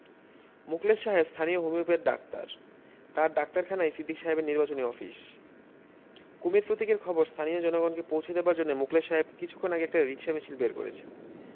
মুখলেস সাহেব স্থানীয় homeopath doctor তাঁর ডাক্তারখানাই সিদ্দিক সাহেবের নির্বাচনী অফিস কুমীর প্রতীকের খবর স্থানীয় জনগণকে পৌঁছে দেবার জন্যে মুখলেস সাহেব কিছুক্ষণ আগে একটা রিকশা মিছিল বের করেছেন